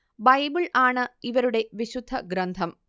Bible ആണ് ഇവരുടെ വിശുദ്ധ ഗ്രന്ഥം